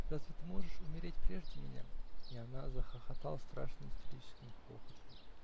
Разве ты можешь умереть прежде меня?" -- и она захохотала страшным истерическим хохотом.